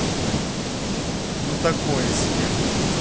ну такое себе